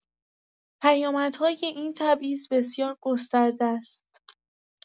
پیامدهای این تبعیض بسیار گسترده است.